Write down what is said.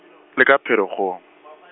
le ka Pherekgong .